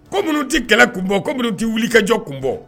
Ko minnu tɛ kɛlɛ kun bɔ kɔmi minnu tɛ wulikɛjɔ kun bɔ